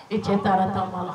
I cɛ taara tanba la